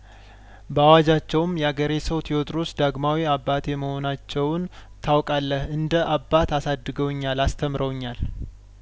በአዋጃቸውም ያገሬ ሰው ቴዎድሮስ ዳግማዊ አባቴ መሆናቸውን ታውቃለህ እንደአባት አሳድገውኛል አስተምረውኛል